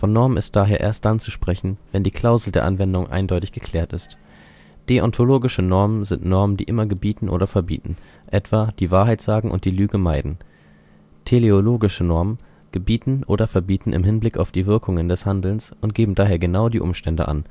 Normen ist daher erst dann zu sprechen, wenn die Klausel der Anwendung eindeutig geklärt ist. Deontologische Normen sind Normen, die immer gebieten oder verbieten (etwa: die Wahrheit sagen und die Lüge meiden) Teleologische Normen gebieten oder verbieten im Hinblick auf die Wirkungen des Handelns und geben daher genau die Umstände an